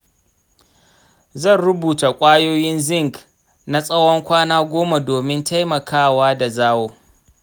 zan rubuta kwayoyin zinc na tsawon kwana goma domin taimakawa da zawo.